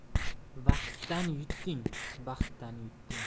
vaqtdan yutding baxtdan yutding